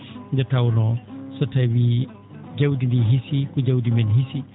nde tawnoo so tawii jawdi ndi hiisii ko jawdi men hiisi